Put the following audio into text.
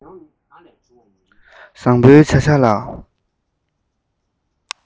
བཟང པོའི བྱ བཞག ལ